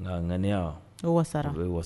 nka n ŋaniya wa wa